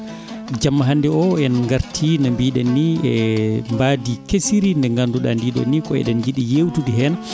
jamma hannde o en ngartii no mbiiɗen nii e mbaadi kesiri ndii ɗoo nii ko eɗen njiɗi yeewtude heen